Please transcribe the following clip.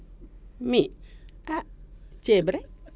mi a ceeb rek